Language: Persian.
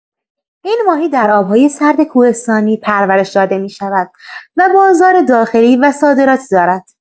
این ماهی در آب‌های سرد کوهستانی پرورش داده می‌شود و بازار داخلی و صادراتی دارد.